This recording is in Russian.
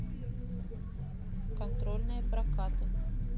контрольные прокаты